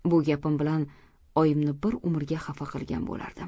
bu gapim bilan oyimni bir umrga xafa qilgan bo'lardim